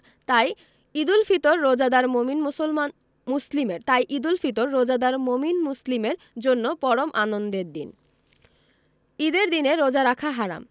তাই ঈদুল ফিতর রোজাদার মোমিন মুসলমান মুসলিমের তাই ঈদুল ফিতর রোজাদার মোমিন মুসলিমের জন্য পরম আনন্দের দিন ঈদের দিনে রোজা রাখা হারাম